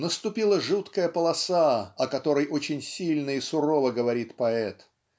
Наступила жуткая полоса, о которой очень сильно и сурово говорит поэт